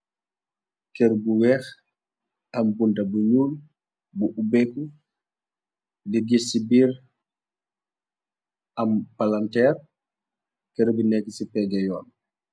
Kèr bu wèèx am bunta bu ñuul bu ubééku, di gis si biir am palanterr. Kèr bi nèkka ci pegga yon.